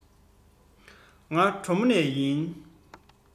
ང གྲོ མོ ནས ཡིན